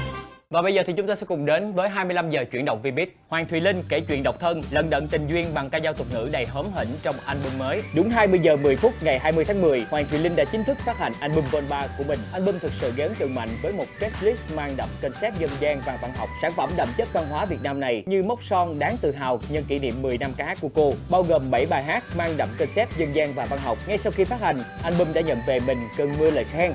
và bây giờ thì chúng ta sẽ cùng đến với hai mươi lăm giờ chuyển động vi bích hoàng thùy linh kể chuyện độc thân lận đận tình duyên bằng ca dao tục ngữ đầy hóm hỉnh trong an bum mới đúng hai mươi giờ mười phút ngày hai mươi tháng mười hoàng thùy linh đã chính thức phát hành an bum vôn ba của mình an bum thực sự gây ấn tượng mạnh với một cái cờ lích mang đậm cảnh sắc dân gian và văn học sản phẩm đậm chất văn hóa việt nam này như mốc son đáng tự hào nhân kỷ niệm mười năm ca hát của cô bao gồm bảy bài hát mang đậm con sét dân gian và văn học ngay sau khi phát hành an bum đã nhận về mình cơn mưa lời khen